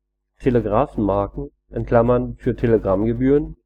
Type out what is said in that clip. Telegrafenmarken (für Telegrammgebühren